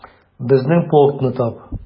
Безнең полкны тап...